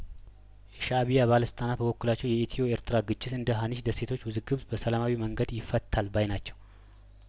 የሻእቢያ ባለስልጣናት በበኩላቸው የኢትዮ ኤርትራ ግጭት እንደሀኒሽ ደሴቶች ውዝግብ በሰላማዊ መንገድ ይፈታል ባይ ናቸው